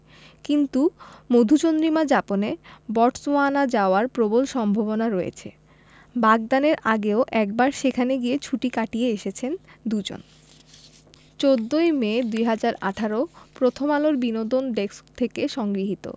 কিন্তু মধুচন্দ্রিমা যাপনে বটসওয়ানা যাওয়ার প্রবল সম্ভাবনা রয়েছে বাগদানের আগেও একবার সেখানে গিয়ে ছুটি কাটিয়ে এসেছেন দুজন ১৪ই মে ২০১৮ প্রথমআলোর বিনোদন ডেস্কথেকে সংগ্রহীত